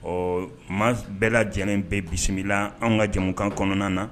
Ɔ ma bɛɛ la j in bɛ bisimila an ka jamukan kɔnɔna na